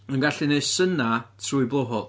Yn gallu gwneud synnau trwy'i blowhole.